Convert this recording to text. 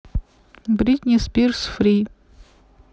бритни спирс фри